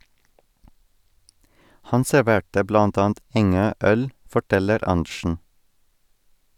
Han serverte blant annet Engø- øl, forteller Andersen.